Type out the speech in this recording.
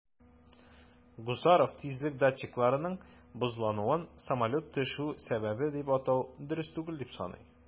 Гусаров тизлек датчикларының бозлануын самолет төшү сәбәбе дип атау дөрес түгел дип саный.